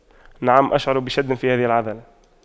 نعم اشعر بشد في هذه العضلة